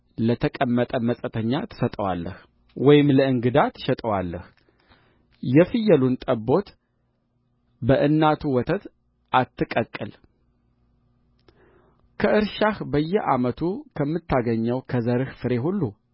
ለተቀመጠ መጻተኛ ትሰጠዋለህ ወይም ለእንግዳ ትሸጠዋለህ የፍየሉን ጠቦት በእናቱ ወተት አትቀቅል ከእርሻህ በየዓመቱ ከምታገኘው ከዘርህ ፍሬ ሁሉ